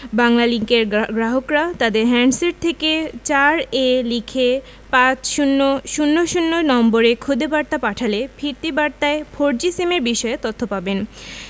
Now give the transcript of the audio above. বাংলালিংকের গ্রাহকরা তাদের হ্যান্ডসেট থেকে ৪ এ লিখে পাঁচ শূণ্য শূণ্য শূণ্য নম্বরে খুদে বার্তা পাঠালে ফিরতি বার্তায় ফোরজি সিমের বিষয়ে তথ্য পাবেন